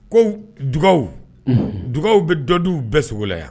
Ko u dugaw unhun dugaw bɛ dɔdun u bɛɛ sogo la yan